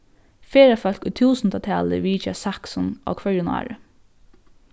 ferðafólk í túsundatali vitja saksun á hvørjum ári